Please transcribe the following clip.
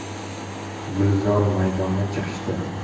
gulzor maydonga chiqishdi